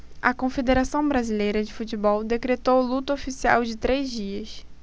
a confederação brasileira de futebol decretou luto oficial de três dias